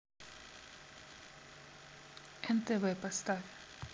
нтв поставь